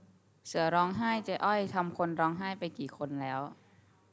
เสือร้องไห้เจ๊อ้อยทำคนร้องไห้ไปกี่คนแล้ว